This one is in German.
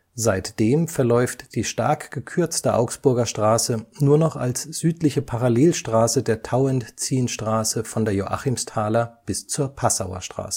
Seitdem verläuft die stark gekürzte Augsburger Straße nur noch als südliche Parallelstraße der Tauentzienstraße von der Joachimsthaler bis zur Passauer Straße